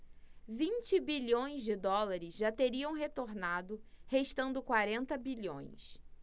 vinte bilhões de dólares já teriam retornado restando quarenta bilhões